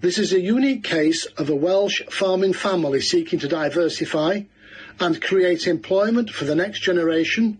This is a unique case of a Welsh farming family seeking to diversify and create employment for the next generation,